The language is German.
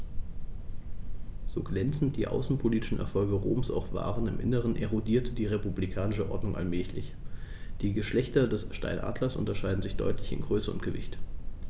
So glänzend die außenpolitischen Erfolge Roms auch waren: Im Inneren erodierte die republikanische Ordnung allmählich. Die Geschlechter des Steinadlers unterscheiden sich deutlich in Größe und Gewicht.